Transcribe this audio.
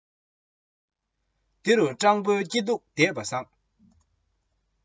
ཕ རོལ ཕྱུག པོ ལོངས སྤྱོད དགོས འདོད ན